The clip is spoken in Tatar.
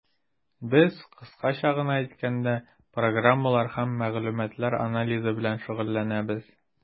Без, кыскача гына әйткәндә, программалар һәм мәгълүматлар анализы белән шөгыльләнәбез.